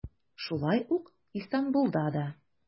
Шулай ук Истанбулда да.